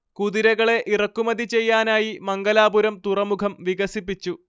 കുതിരകളെ ഇറക്കുമതി ചെയ്യാനായി മംഗലാപുരം തുറമുഖം വികസിപ്പിച്ചു